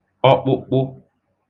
ọkpụkpụ